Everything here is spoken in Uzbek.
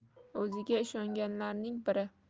o'ziga ishonganlarning biri